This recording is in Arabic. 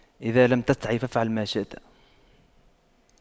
اذا لم تستحي فأفعل ما تشاء